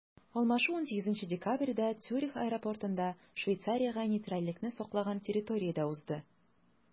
Алмашу 18 декабрьдә Цюрих аэропортында, Швейцариягә нейтральлекне саклаган территориядә узды.